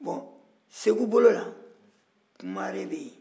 segu bolo la kumare bɛ yen